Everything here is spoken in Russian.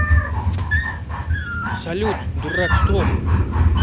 салют дурак стоп